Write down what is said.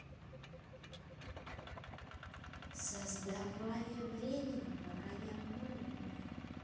создавание времени пока не обманывай меня